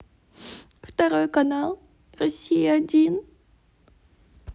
второй канал россия один